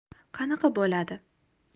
qanaqa bo'ladi